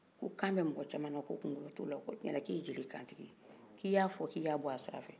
ko kan bɛ mɔgɔ cama na ko kunkolo t'o la k'o tuma k'e ye jelikɛ kantigi ye k'i ya fɔ k'i ya b'a sirafɛ